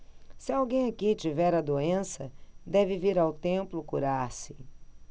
se alguém aqui tiver a doença deve vir ao templo curar-se